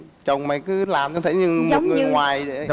chồng mày cứ làm như thể ngoài ngoài